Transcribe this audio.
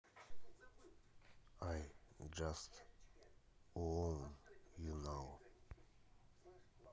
ай джаст уонт ю нау